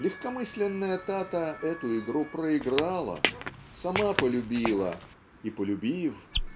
легкомысленная Тата эту игру проиграла сама полюбила и полюбив